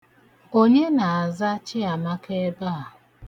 Onye na-aza Chiamaka ebe a?